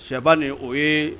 Sɛba nin o ye